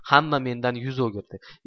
hamma mendan yuz o'girdi